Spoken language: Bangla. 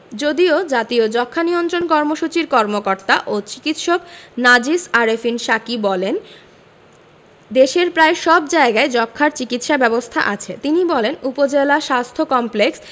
যদিও জাতীয় যক্ষ্মা নিয়ন্ত্রণ কর্মসূচির কর্মকর্তা ও চিকিৎসক নাজিস আরেফিন সাকী বলেন দেশের প্রায় সব জায়গায় যক্ষ্মার চিকিৎসা ব্যবস্থা আছে তিনি বলেন উপজেলা স্বাস্থ্য কমপ্লেক্স